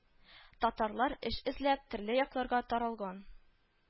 Татарлар эш эзләп төрле якларга таралган